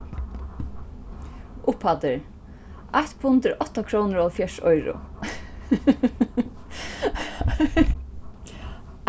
upphæddir eitt pund er átta krónur og hálvfjerðs oyru